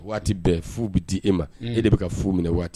Waati bɛɛ fu bɛ di e ma. Un! E de bɛ ka fu minɛ waati